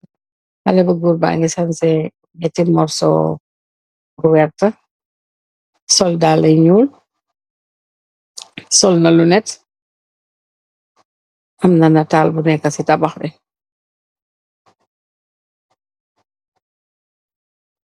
Xalèh bu gór bangi sanseh ñetti morsoh bu werta, sol dalli yu ñuul, solna lunet am na nitalyu nekka ci tabax bi.